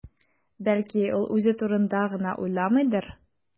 Бәлки, ул үзе турында гына уйламыйдыр?